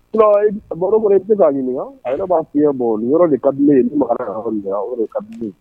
'a ɲininka a b'a f bɔ ni de ka